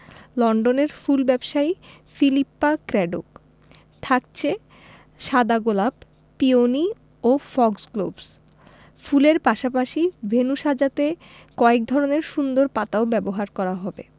লন্ডনের ফুল ব্যবসায়ী ফিলিপ্পা ক্র্যাডোক থাকছে সাদা গোলাপ পিওনি ও ফক্সগ্লোভস ফুলের পাশাপাশি ভেন্যু সাজাতে কয়েক ধরনের সুন্দর পাতাও ব্যবহার করা হবে